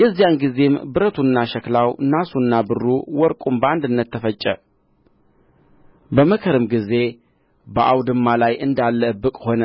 የዚያን ጊዜም ብረቱና ሸክላው ናሱና ብሩ ወርቁም በአንድነት ተፈጨ በመከርም ጊዜ በአውድማ ላይ እንዳለ እብቅ ሆነ